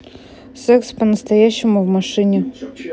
секс по настоящему в машине